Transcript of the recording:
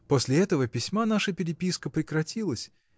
После этого письма наша переписка прекратилась